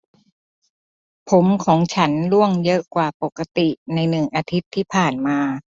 ผมของฉันร่วงเยอะกว่าปกติในหนึ่งอาทิตย์ที่ผ่านมา